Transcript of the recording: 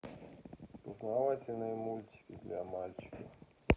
познавательные мультики для мальчиков